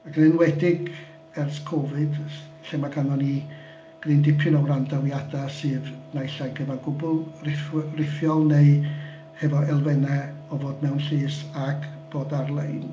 Ac yn enwedig ers Covid lle ma' ganddo ni gryn dipyn o wrandawiadau sydd naill ai'n gyfan gwbl rithw- rithiol neu efo elfennau o fod mewn llys ac bod ar-lein.